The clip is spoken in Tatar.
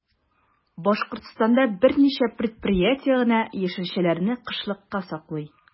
Башкортстанда берничә предприятие генә яшелчәләрне кышкылыкка саклый.